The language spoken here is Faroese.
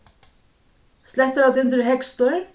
slættaratindur er hægstur